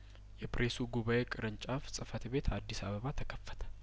የፕሬሱ ጉባኤ ቅርንጫፍ ጽፈት ቤት አዲስ አበባ ተከፈተ